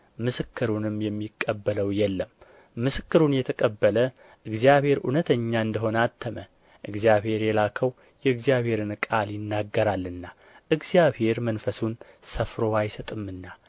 ምስክሩንም የሚቀበለው የለም ምስክሩን የተቀበለ እግዚአብሔር እውነተኛ እንደ ሆነ አተመ እግዚአብሔር የላከው የእግዚአብሔርን ቃል ይናገራልና እግዚአብሔር መንፈሱን ሰፍሮ አይሰጥምና